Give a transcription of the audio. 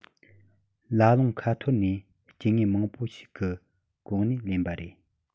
ལ ལུང ཁ ཐོར ནས སྐྱེ དངོས མང པོ ཞིག གི གོ གནས ལེན པ རེད